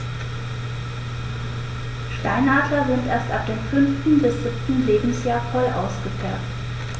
Steinadler sind erst ab dem 5. bis 7. Lebensjahr voll ausgefärbt.